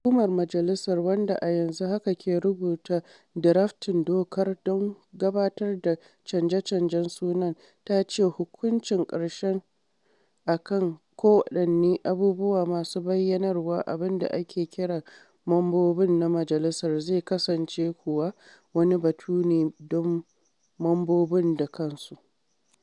Hukumar Majalisar, wanda a yanzu haka ke rubuta daftarin dokar don gabatar da canje-canjen sunan, ta ce: “Hukuncin ƙarshe a kan kowaɗanne abubuwa masu bayyanarwa abin da ake kiran mambobi na Majalisar zai kasance kuwa wani batu ne don mambobin da kansu.”